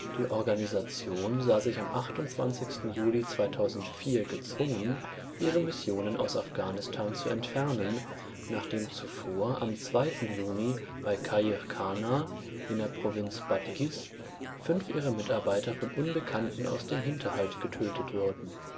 Die Organisation sah sich am 28. Juli 2004 gezwungen, ihre Missionen aus Afghanistan zu entfernen, nachdem zuvor am 2. Juni bei Khair Khana in der Provinz Badghis fünf ihrer Mitarbeiter (die Afghanen Fasil Ahmad und Besmillah, die Belgierin Helene de Beir, der Norweger Egil Tynæs und der Niederländer Willem Kwint) von Unbekannten aus dem Hinterhalt getötet wurden